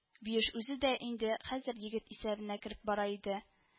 Биюш үзе дә инде хәзер егет исәбенә кереп бара иде